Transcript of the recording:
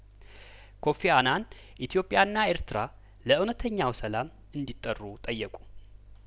ኮፊ አናን ኢትዮጵያና ኤርትራ ለእውነተኛው ሰላም እንዲጠሩ ጠየቁ